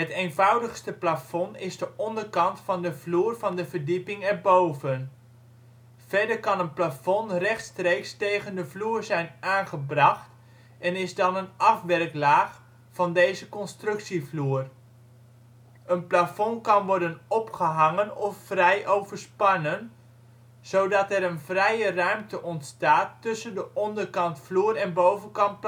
eenvoudigste plafond is de onderkant van de vloer van de verdieping erboven. Verder kan een plafond rechtstreeks tegen de vloer zijn aangebracht en is dan een afwerklaag van deze constructievloer. Een plafond kan worden opgehangen of vrij overspannen, zodat er een vrije ruimte ontstaat tussen onderkant vloer en bovenkant